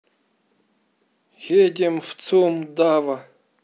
едем в цум дава